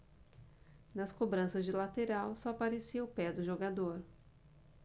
nas cobranças de lateral só aparecia o pé do jogador